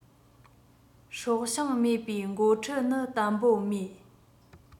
སྲོག ཤིང མེད པའི འགོ ཁྲིད ནི བརྟན པོ མེད